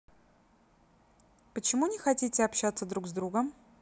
почему не хотите общаться друг с другом